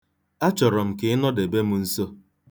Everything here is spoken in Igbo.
Achọrọ m ka ịnọdebe m nso.